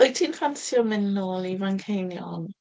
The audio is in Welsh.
Wyt ti'n ffansio mynd nôl i Manceinion?